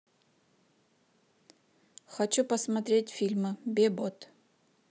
хочу посмотреть фильмы бебот